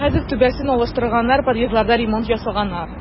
Хәзер түбәсен алыштырганнар, подъездларда ремонт ясаганнар.